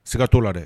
Sigatɔo la dɛ